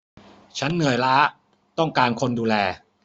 ฉันเหนื่อยล้าต้องการคนดูแล